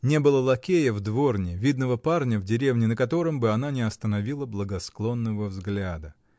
Не было лакея в дворне, видного парня в деревне, на котором бы она не остановила благосклонного взгляда.